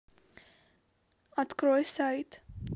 открой сайт